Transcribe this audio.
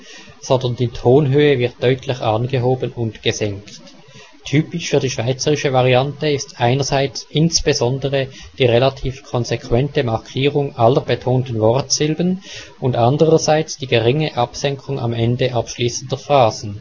sondern die Tonhöhe wird deutlich angehoben und gesenkt. Typisch für die schweizerische Variante ist einerseits insbesondere die relativ konsequente Markierung aller betonten Wortsilben und andererseits die geringe Absenkung am Ende abschließender Phrasen